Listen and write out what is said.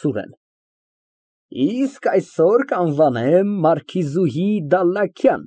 ՍՈՒՐԵՆ ֊ Իսկ այսօր կանվանեմ մարքիզուհի Դալլաքյան,